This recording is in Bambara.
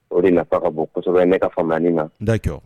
O de nafa ka bon kosɛbɛ ne ka famuyani na d'accord